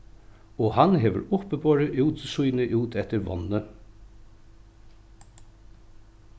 og hann hevur uppiborið útsýnið út eftir vágni